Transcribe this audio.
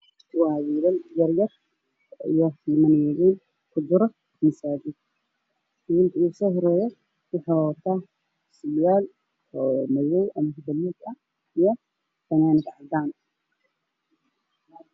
Waa wiilal yar yar oo ku jira masaajid oo fadhiyaan waxay wataan fanaanado jaalo blue surwal wado fanaanad cadaan